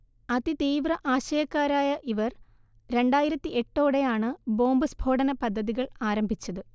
അതി തീവ്ര ആശയക്കാരായ ഇവർ രണ്ടായിരത്തി എട്ടോടെയാണ് ബോംബ് സ്ഫോടനപദ്ധതികൾ ആരംഭിച്ചത്